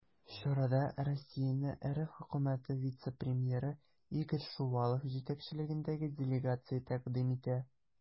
Чарада Россияне РФ Хөкүмәте вице-премьеры Игорь Шувалов җитәкчелегендәге делегация тәкъдим итә.